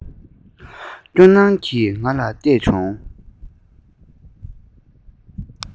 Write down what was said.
སྐྱོ སྣང གིས ང ལ བལྟས བྱུང